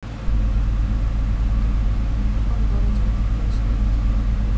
в каком городе это происходит